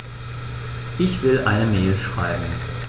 Ich will eine Mail schreiben.